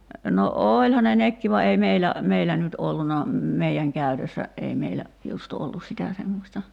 no olihan ne nekin vaan ei meillä meillä nyt ollut meidän käytössä ei meillä just ollut sitä semmoista